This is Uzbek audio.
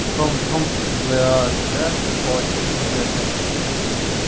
com tomsk viloyatida fojia yuz berdi